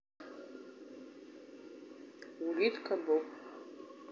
улитка боб